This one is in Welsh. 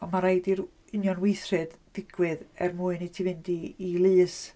Ond mae'n rhaid i'r union weithred ddigwydd er mwyn i ti fynd i i lys.